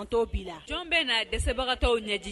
La jɔn bɛɛ na dɛsɛbagatɔw ɲɛ